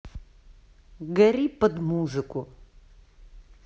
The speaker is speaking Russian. гори под музыку